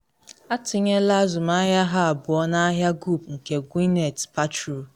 Atụnyela azụmahịa ha abụọ n’ahịa Goop nke Gwyneth Paltrow.